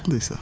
ndeysaan